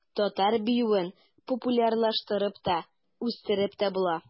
Татар биюен популярлаштырып та, үстереп тә була.